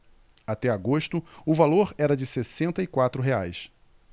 até agosto o valor era de sessenta e quatro reais